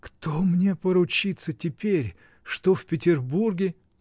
-- Кто мне поручится теперь, что в Петербурге.